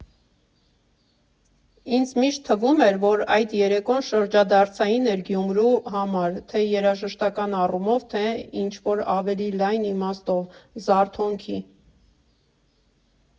Ինձ միշտ թվում էր, որ այդ երեկոն շրջադարձային էր Գյումրու համար՝ թե երաժշտական առումով, թե ինչ֊որ ավելի լայն իմաստով, զարթոնքի։